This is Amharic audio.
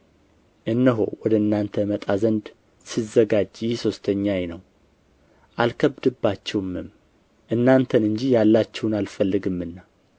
እነሆ ወደ እናንተ እመጣ ዘንድ ስዘጋጅ ይህ ሦስተኛዬ ነው አልከብድባችሁምም እናንተን እንጂ ያላችሁን አልፈልግምና